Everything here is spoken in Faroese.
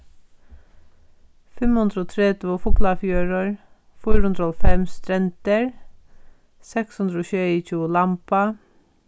fimm hundrað og tretivu fuglafjørður fýra hundrað og hálvfems strendur seks hundrað og sjeyogtjúgu lamba